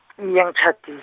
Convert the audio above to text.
iye ngitjhadi-.